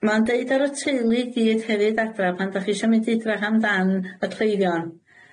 Ma'n deud ar y teulu i gyd hefyd adra, pan dach chi isio mynd edrych amdan y cleifion.